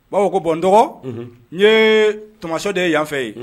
' ko bɔn dɔgɔ n tɔmɔso de ye yanfɛ ye